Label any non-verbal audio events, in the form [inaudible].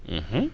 [hesitation] [hesitation]